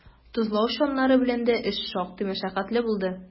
Тозлау чаннары белән дә эш шактый мәшәкатьле булды.